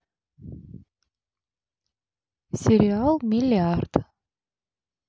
сериал миллиард